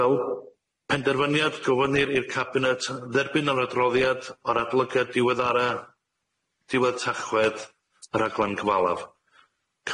Fel penderfyniad gofynir i'r cabinet dderbyn yr adroddiad o'r adolygiad diweddara diwedd Tachwedd y rhaglen gyfalaf